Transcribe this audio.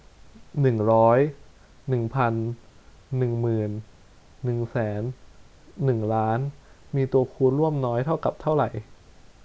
หนึ่งร้อยหนึ่งพันหนึ่งหมื่นหนึ่งแสนหนึ่งล้านมีตัวคูณร่วมน้อยเท่ากับเท่าไหร่